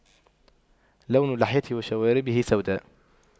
لون لحيته وشواربه سوداء